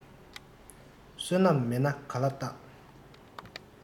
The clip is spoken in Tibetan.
བསོད ནམས མེད ན ག ལ རྟག